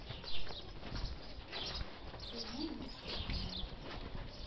кино мистер бин